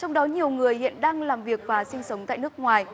trong đó nhiều người hiện đang làm việc và sinh sống tại nước ngoài